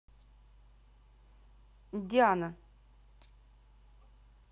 диана